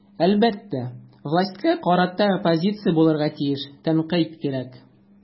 Әлбәттә, властька карата оппозиция булырга тиеш, тәнкыйть кирәк.